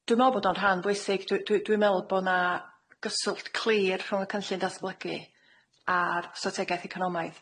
Dwi me'wl bod o'n rhan bwysig. Dw- dwi- dwi me'wl bod 'na gyswllt clir rhwng y cynllun datblygu a'r strategaeth economaidd.